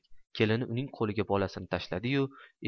kelini uning qo'liga bolasini tashladi yu